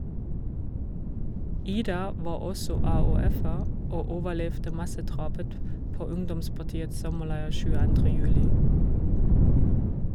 Ida var også AUF-er og overlevde massedrapet på ungdomspartiets sommerleir 22. juli.